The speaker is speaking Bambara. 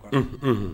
H